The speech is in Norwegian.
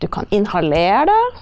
du kan inhalere det.